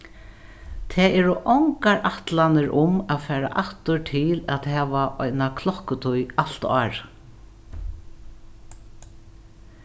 tað eru ongar ætlanir um at fara aftur til at hava eina klokkutíð alt árið